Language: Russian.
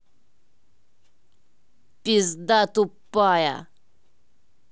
пизда тупая